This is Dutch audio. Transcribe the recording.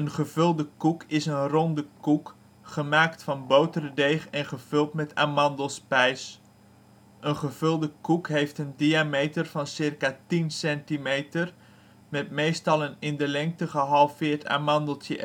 gevulde koek is een ronde koek, gemaakt van boterdeeg en gevuld met amandelspijs. Een gevulde koek heeft een doorsnee van circa 10 cm met meestal een in de lengte gehalveerd amandeltje